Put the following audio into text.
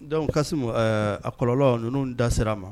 Dɔnku kasi a kɔlɔnlɔlɔn ninnu da sera a ma